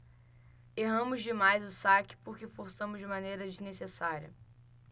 erramos demais o saque porque forçamos de maneira desnecessária